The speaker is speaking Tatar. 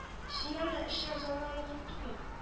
Чыннан да эшләр зарланырлык түгел